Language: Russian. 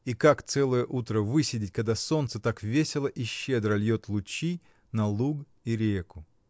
И как целое утро высидеть, когда солнце так весело и щедро льет лучи на луг и реку.